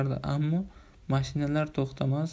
ammo mashinalar to 'xtamas